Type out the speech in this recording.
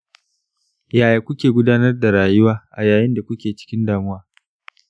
yaya kuke gudanar da rayuwa a yayin da kuke cikin damuwa?